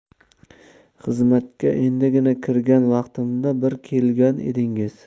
xizmatga endigina kirgan vaqtimda bir kelgan edingiz